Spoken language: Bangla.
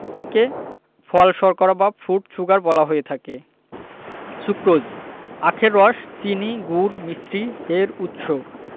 একে ফল শর্করা বা ফ্রুট শুগার বলা হয়ে থাকে সুক্রোজ আখের রস চিনি গুড় মিছরি এর উৎস